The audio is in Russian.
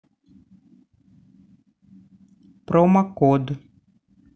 промокод